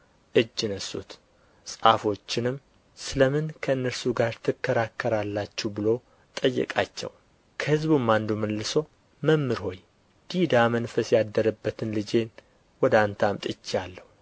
እጅ ነሡት ጻፎችንም ስለ ምን ከእነርሱ ጋር ትከራከራላችሁ ብሎ ጠየቃቸው ከሕዝቡ አንዱ መልሶ መምህር ሆይ ዲዳ መንፈስ ያደረበትን ልጄን ወደ አንተ አምጥቼአለሁ